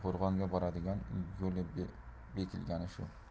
qo'rg'onga boradigan yo'li bekilgani shu